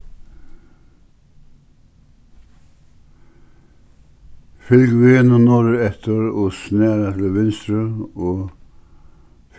fylg vegnum norðureftir og snara til vinstru um